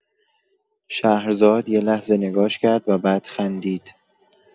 شهرزاد یه لحظه نگاش کرد و بعد خندید.